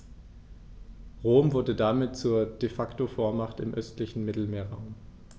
Rom wurde damit zur ‚De-Facto-Vormacht‘ im östlichen Mittelmeerraum.